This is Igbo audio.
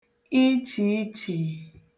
ichèichè